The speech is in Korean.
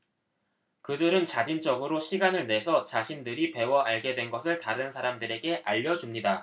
그들은 자진적으로 시간을 내서 자신들이 배워 알게 된 것을 다른 사람들에게 알려 줍니다